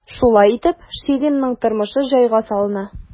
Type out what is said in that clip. Шулай итеп, Ширинның тормышы җайга салына.